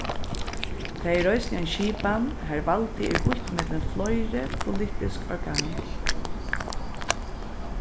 tað er eisini ein skipan har valdið er býtt millum fleiri politisk organ